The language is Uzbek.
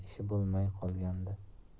ishi bo'lmay qolgandi